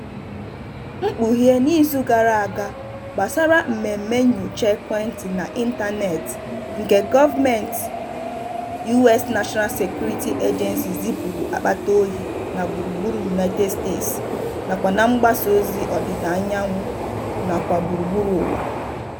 Mkpughe n'izu gara aga gbasara mmemme nnyocha ekwentị na ịntanetị nke gọọmentị US National Security Agency (NSA) zipụrụ akpata oyi na gburugburu United States nakwa na mgbasaozi ọdịdaanyanwụ, nakwa gburugburu ụwa.